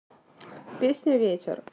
песня ветер